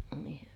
niin